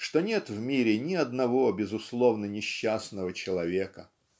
что нет в мире ни одного безусловно несчастного человека?.